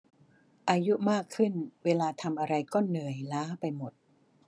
อายุมากขึ้นเวลาทำอะไรก็เหนื่อยล้าไปหมด